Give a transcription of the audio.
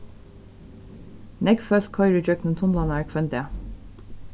nógv fólk koyra ígjøgnum tunlarnar hvønn dag